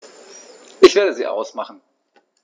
Ich werde sie ausmachen.